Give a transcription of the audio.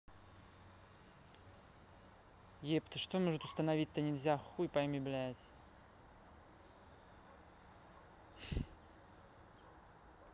епты что может установить то нельзя хуй пойми блядь